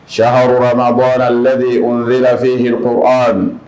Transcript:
Sama bɔra ladi o dee lafin h ko a